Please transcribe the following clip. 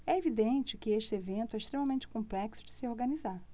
é evidente que este evento é extremamente complexo de se organizar